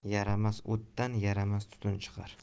yaramas o'tdan yaramas tutun chiqar